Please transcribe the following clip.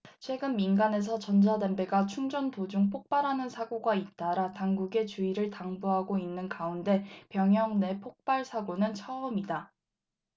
최근 민간에서 전자담배가 충전 도중 폭발하는 사고가 잇따라 당국이 주의를 당부하고 있는 가운데 병영 내 폭발 사고는 처음이다